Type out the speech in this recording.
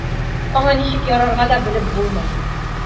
Аңа ничек ярарга да белеп булмый.